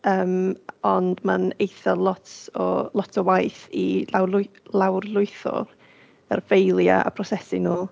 Ymm, ond mae'n eitha lot o... lot o waith i lawrlwy- lawrlwytho yr ffeiliau a prosesu nhw.